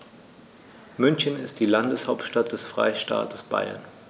München ist die Landeshauptstadt des Freistaates Bayern.